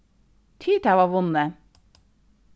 tit hava vunnið